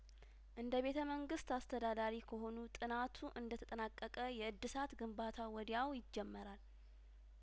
እንደ ቤተ መንግስት አስተዳዳሪ ከሆኑ ጥናቱ እንደተጠናቀቀ የእድሳት ግንባታው ወዲያው ይጀመራል